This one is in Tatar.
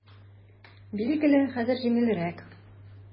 Билгеле, хәзер җиңелрәк.